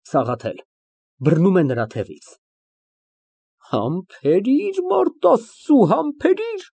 ՍԱՂԱԹԵԼ ֊ (Բռնում է նրա թևից) Համբերիր, մարդ Աստծու, համբերիր։